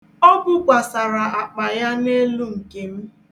O bukwasara akpa ya n'elu nke m.